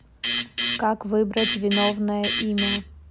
как выбрать виновное имя